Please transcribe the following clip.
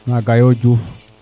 nagayo Diouf